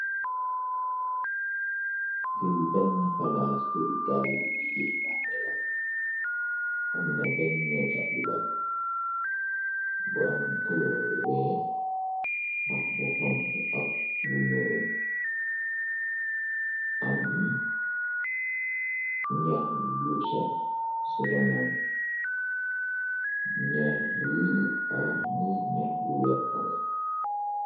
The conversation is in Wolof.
Fi benna palas buy ngay di yéébane la am na benna tabla bu am kulor bu wèèx ak bu xonxu ak bu ñuul am ñax yu sax ci ronam ñax yi ñax yu werta la .